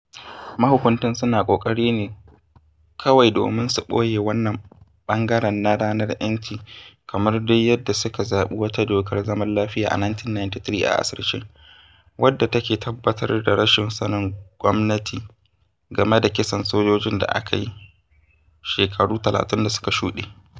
Mahukuntan suna ƙoƙari ne kawai domin su ɓoye wannan ɓangaren na ranar 'yanci, kamar dai yadda suka zaɓi wata dokar zaman lafiya a 1993 a asirce, wadda take tabbatar da rashin sanin gwamnati game da kisan sojojin da aka yi shekaru 30 da suka shuɗe.